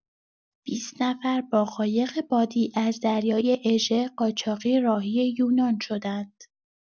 بیست نفر با قایق بادی از دریای اژه، قاچاقی راهی یونان شدند.